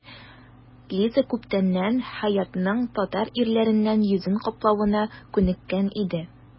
Лиза күптәннән Хәятның татар ирләреннән йөзен каплавына күнеккән иде.